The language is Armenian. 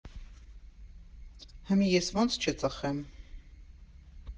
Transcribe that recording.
Հըմի ես ո՞նց չծխեմ։